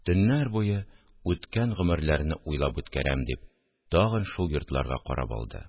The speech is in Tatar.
Төннәр буе үткән гомерләрне уйлап үткәрәм, – дип, тагын шул йортларга карап алды